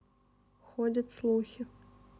ходят слухи